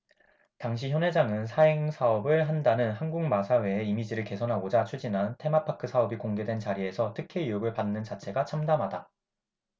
당시 현 회장은 사행사업을 한다는 한국마사회의 이미지를 개선하고자 추진한 테마파크 사업이 공개된 자리에서 특혜 의혹을 받는 자체가 참담하다